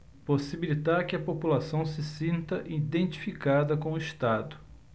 possibilitar que a população se sinta identificada com o estado